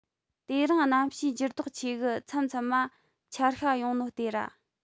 དེ རིང གནམ གཤིས འགྱུར ལྡོག ཆེ གི མཚམས མཚམས མ ཆར ཤྭ ཡོང ནོ ལྟོས ར